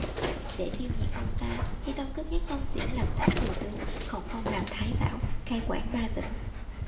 để tiêu diệt ông ta hi tông cất nhắc tông tuyển làm tả thừa tướng còn phong làm thái bảo cai quản ba tỉnh